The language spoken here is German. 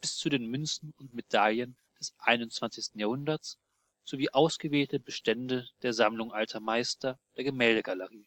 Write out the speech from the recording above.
bis zu den Münzen und Medaillen des 21. Jahrhunderts sowie ausgewählte Bestände der Sammlung alter Meister der Gemäldegalerie